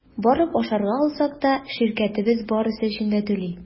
Барып ашарга алсак та – ширкәтебез барысы өчен дә түли.